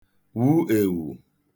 wu èwù